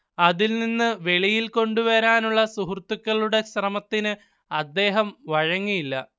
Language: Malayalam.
അതിൽ നിന്ന് വെളിയിൽ കൊണ്ടുവരാനുള്ള സുഹൃത്തുക്കളുടെ ശ്രമത്തിന് അദ്ദേഹം വഴങ്ങിയില്ല